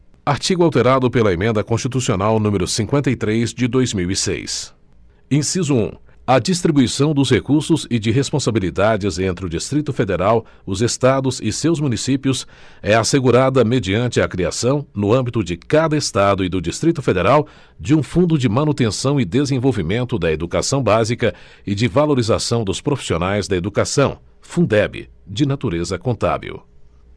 artigo alterado pela emenda constitucional número cinquenta e três de dois mil e seis inciso um a distribuição dos recursos e de responsabilidades entre o distrito federal os estados e seus municípios é assegurada mediante a criação no âmbito de cada estado e do distrito federal de um fundo de manutenção e desenvolvimento da educação básica e de valorização dos profissionais da educação fundeb de natureza contábil